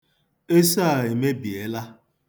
Eso a emebiela.